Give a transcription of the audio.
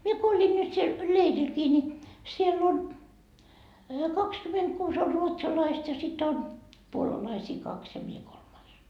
minä kun olin nyt siellä leirilläkin niin siellä on kaksikymmentäkuusi on ruotsalaista ja sitten on puolalaisia kaksi ja minä kolmas